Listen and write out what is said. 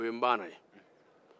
o ye npaana ye